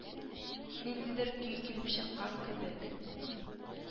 Ниндидер көй килеп чыккан кебек